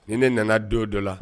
Ni ne nana don dɔ la